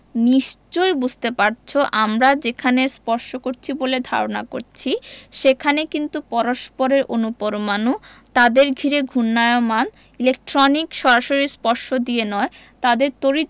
নিশ্চয়ই বুঝতে পারছ আমরা যেখানে স্পর্শ করছি বলে ধারণা করছি সেখানে কিন্তু পরস্পরের অণুপরমাণু তাদের ঘিরে ঘূর্ণায়মান ইলেকট্রনিক সরাসরি স্পর্শ দিয়ে নয় তাদের তড়িৎ